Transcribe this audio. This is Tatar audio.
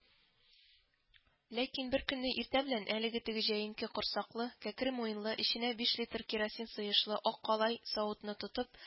Ләкин беркөнне иртә белән әлеге теге җәенке корсаклы, кәкре муенлы, эченә биш литр керосин сыешлы ак калай савытны тотып